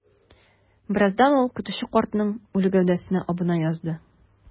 Бераздан ул көтүче картның үле гәүдәсенә абына язды.